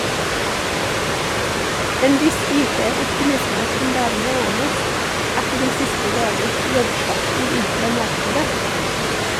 En viss IT-optimisme kan dermed anes, etter de siste dagers jobbslakt i IT-markedet.